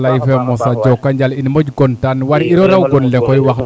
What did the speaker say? faley fee mosa jokonjal mi moƴu content war iro raw gonle koy wax deg